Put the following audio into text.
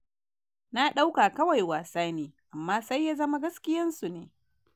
“na dauka kawai wasa ne, amma sai ya zama gaskiyan su ne.”